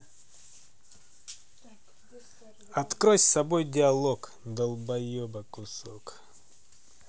открой с собой диалог долбоеба кусок